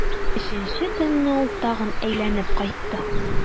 Өченче төнне ул тагын әйләнеп кайтты.